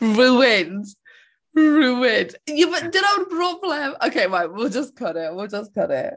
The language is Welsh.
Ruined! Ruined! Ie but dyna'r broblem! Ok right we'll just cut it we'll just cut it.